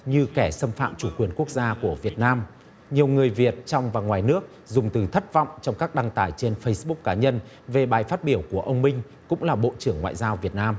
như kẻ xâm phạm chủ quyền quốc gia của việt nam nhiều người việt trong và ngoài nước dùng từ thất vọng trong các đăng tải trên phây búc cá nhân về bài phát biểu của ông minh cũng là bộ trưởng ngoại giao việt nam